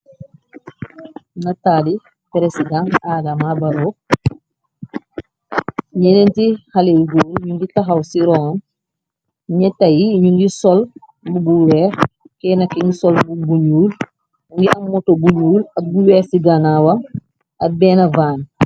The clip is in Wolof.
Nataali presidan adama baro ñyeneen ti xaliw góor ñu ngi taxaw ci ron ñyeta yi ñu ngi sol bu bu weex kenna ki ngi sol bu buñuul ngi am moto buñuul ak bu weex ci ganawa ak benn vaan.